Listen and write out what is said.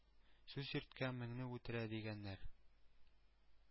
Сүз йөрткән меңне үтерә, дигәннәр...